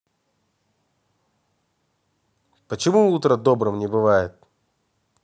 почему утром добрым не бывает